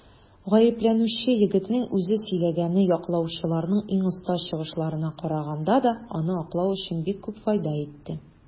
Гаепләнүче егетнең үзе сөйләгәне яклаучыларның иң оста чыгышларына караганда да аны аклау өчен бик күп файда итте.